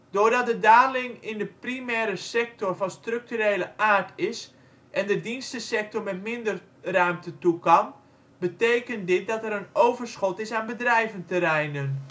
Doordat de daling in de primaire sector van structurele aard is en de dienstensector met minder ruimte toekan, betekent dit dat er een overschot is aan bedrijventerreinen